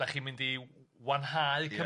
'dach chi'n mynd i w- wanhau